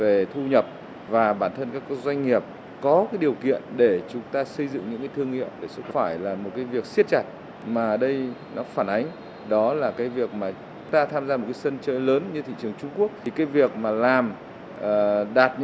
về thu nhập và bản thân các doanh nghiệp có cái điều kiện để chúng ta xây dựng những vết thương hiệu về sức phải là một cái việc siết chặt mà đây nó phản ánh đó là cái việc mà ta tham gia một sân chơi lớn như thị trường trung quốc thì cái việc mà làm ờ đạt